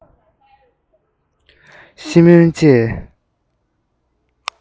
ཤིས སྨོན བཅས